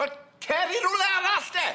Wel cer i rwle arall de.